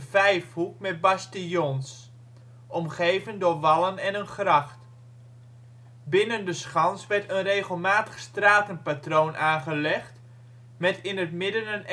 vijfhoek met bastions, omgeven door wallen en een gracht. Binnen de schans werd een regelmatig stratenpatroon aangelegd, met in het midden een exercitieterrein